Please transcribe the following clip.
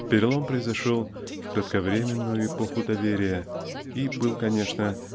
Перелом произошел в кратковременную эпоху доверия и был конечно